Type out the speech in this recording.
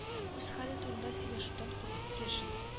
Үз хәле турында сөйләшүдән куркып яши